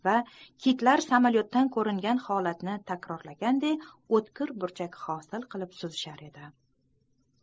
va kitlar samolyotdan ko'ringan holatni takrorlaganday o'tkir burchak hosil qilib suzishar edi